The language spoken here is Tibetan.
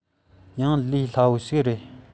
ཡང ལས སླ བོ ཞིག རེད